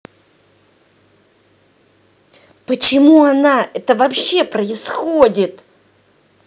почему она это вообще происходит